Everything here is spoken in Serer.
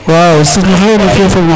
wa Serigne oxe na fi'o fo ma xooytita a?